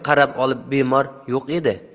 qarab olib bemor yo'q dedi